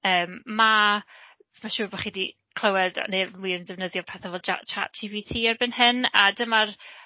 Yym ma' ma'n siŵr bod chi 'di clywed neu wir yn defnyddio pethe fel Chat GPT erbyn hyn, a dyma'r...